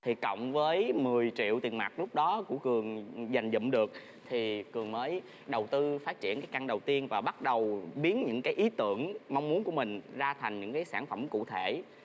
thì cộng với mười triệu tiền mặt lúc đó của cường dành dụm được thì cường mới đầu tư phát triển các căn đầu tiên và bắt đầu biến những cái ý tưởng mong muốn của mình ra thành những sản phẩm cụ thể